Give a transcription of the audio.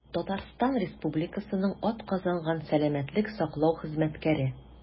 «татарстан республикасының атказанган сәламәтлек саклау хезмәткәре»